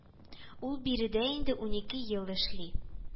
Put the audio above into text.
Ул биредә инде унике ел эшли